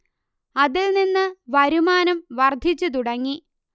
അതിൽ നിന്ന് വരുമാനം വർദ്ധിച്ചു തുടങ്ങി